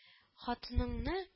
Хатыныңны